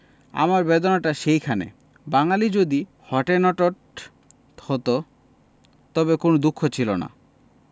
আমার বেদনাটা সেইখানে বাঙালী যদি হটেনটট হত তবে কোন দুঃখ ছিল না